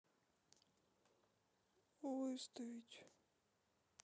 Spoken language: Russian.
выставить